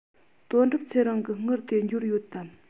དོན གྲུབ ཚེ རིང གི དངུལ དེ འབྱོར ཡོད དམ